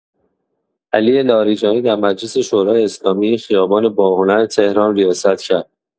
علی لاریجانی در مجلس شورای اسلامی خیابان باهنر تهران ریاست کرد.